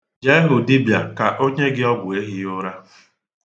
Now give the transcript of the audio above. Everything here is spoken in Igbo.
Jee hụ dibia ka o nye gị ọgwụ ehighiụra.